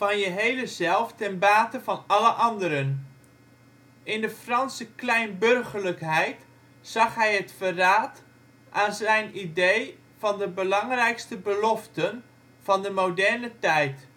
je hele zelf ten bate van alle anderen. In de Franse kleinburgerlijkheid zag hij het verraad aan zijn idee van de belangrijkste beloften van de moderne tijd